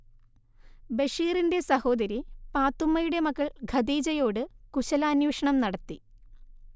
ബഷീറിന്റെ സഹോദരി പാത്തുമ്മയുടെ മകൾ ഖദീജയോട് കുശലാന്വേഷണം നടത്തി